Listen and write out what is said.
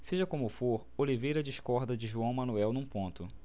seja como for oliveira discorda de joão manuel num ponto